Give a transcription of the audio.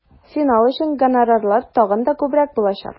Финал өчен гонорарлар тагын да күбрәк булачак.